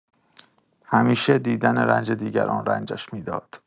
همیشه دیدن رنج دیگران رنجش می‌داد.